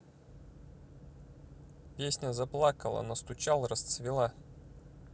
песня заплакала настучал расцвела